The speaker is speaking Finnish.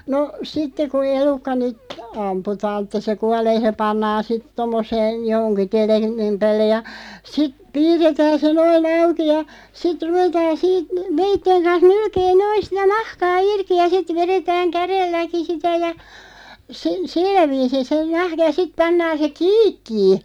no sitten kun elukka nyt ammutaan että se kuolee se pannaan sitten tuommoiseen johonkin tellingin päälle ja sitten piirretään se noin auki ja sitten ruvetaan siitä veitsen kanssa nylkemään noin sitä nahkaa irti ja sitten vedetään kädelläkin sitä ja se sillä viisiin se nahka ja sitten pannaan se kiikkiin